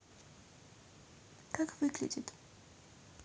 как выглядит